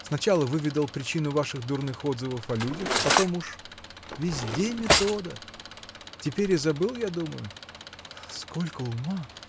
сначала выведал причину ваших дурных отзывов о людях. а потом уж. везде метода! Теперь и забыл, я думаю. – Сколько ума!